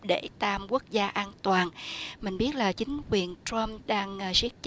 đệ tam quốc gia an toàn mình biết là chính quyền troăm đang đang siết